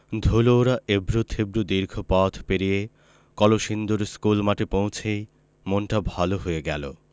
ধুলো ওড়া এবড়োথেবড়ো দীর্ঘ পথ পেরিয়ে কলসিন্দুর স্কুলমাঠে পৌঁছেই মনটা ভালো হয়ে গেল